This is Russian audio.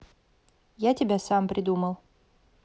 я тебя сам придумал